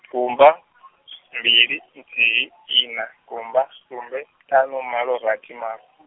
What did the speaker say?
gumba, mbili nthihi ina gumba sumbe ṱhanu malo raru malo.